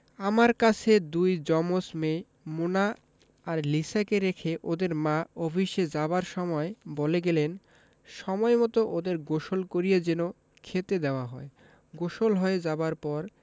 আমার কাছে দুই জমজ মেয়ে মোনা আর লিসাকে রেখে ওদের মা অফিসে যাবার সময় বলে গেলেন সময়মত ওদের গোসল করিয়ে যেন খেতে দেওয়া হয় গোসল হয়ে যাবার পর